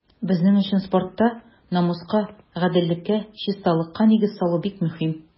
Безнең өчен спортта намуска, гаделлеккә, чисталыкка нигез салу бик мөһим.